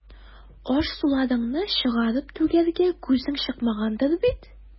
Аш-суларыңны чыгарып түгәргә күзең чыкмагандыр бит.